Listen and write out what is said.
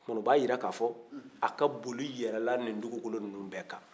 o b'a jira k'a fɔ a ko boli yɛlɛnna nin dugukolo nin bɛɛ kan